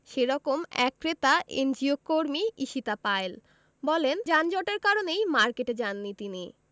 সে রকম এক ক্রেতা এনজিওকর্মী ঈশিতা পায়েল বলেন যানজটের কারণেই মার্কেটে যাননি তিনি